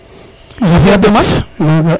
refe ndat maga